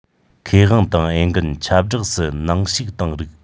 ཁེ དབང དང འོས འགན ཆབས སྦྲགས སུ ནང བཤུག བཏང རིགས